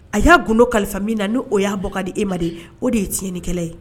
A y'a gdo kalifa min na' o y' bokari di e ma de o de ye tiɲɛn nikɛla ye